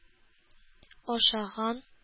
Ашаган